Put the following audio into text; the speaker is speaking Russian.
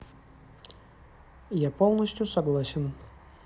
я полностью согласен